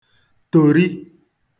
tòri